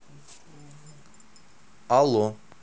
ало